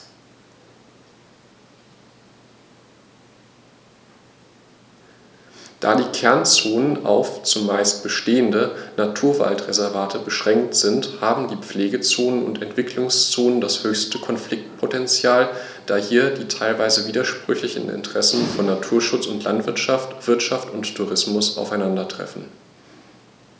Da die Kernzonen auf – zumeist bestehende – Naturwaldreservate beschränkt sind, haben die Pflegezonen und Entwicklungszonen das höchste Konfliktpotential, da hier die teilweise widersprüchlichen Interessen von Naturschutz und Landwirtschaft, Wirtschaft und Tourismus aufeinandertreffen.